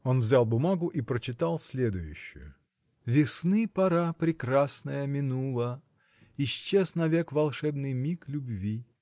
Он взял бумагу и прочитал следующее Весны пора прекрасная минула Исчез навек волшебный миг любви